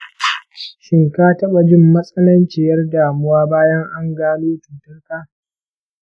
shin ka taba jin matsananciyar damuwa bayan an gano cutarka?